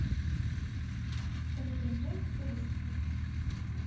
с каждым днем все лучше